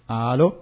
Aa